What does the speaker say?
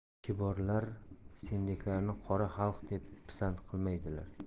kiborlar sendeklarni qora xalq deb pisand qilmaydilar